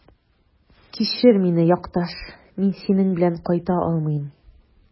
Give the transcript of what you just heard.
Кичер мине, якташ, мин синең белән кайта алмыйм.